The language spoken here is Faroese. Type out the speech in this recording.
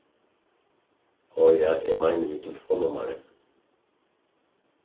áh ja eg meini við telefonnummarið